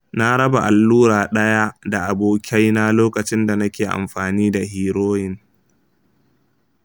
na raba allura ɗaya da abokaina lokacin da nake amfani da heroin.